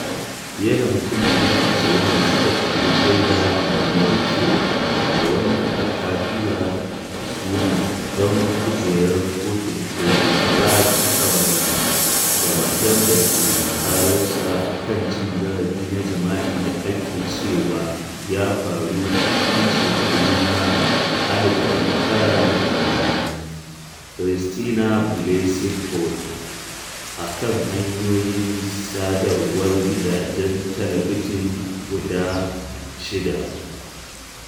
Fiye da mutane miliyan 20 ne suka kalli shaida mai riƙewa daga wanda aka tura sunan don kujerar Kotun Koli Brett Kavanaugh da matar da ke ƙararsa a kan cin zarafi na jima’i da ake cewa ya faru a cikin shekaru na 1980, Christine Blasey Ford, a kan hanyoyin sadarwar gidajen talabijin guda shida.